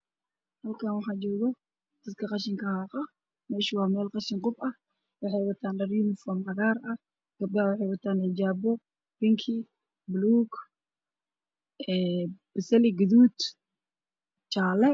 Halkan waxa jogo dad qashin xaqo meshu wa mel qashin qub ah waxay watan dhar yunufon cagar ah gabdhaha waxay watan xijabo bingi bulug basali gudud iyo jale